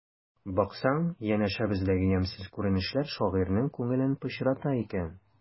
Баксаң, янәшәбездәге ямьсез күренешләр шагыйрьнең күңелен пычрата икән.